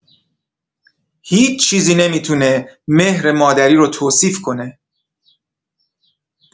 هیچ چیزی نمی‌تونه مهر مادری رو توصیف کنه.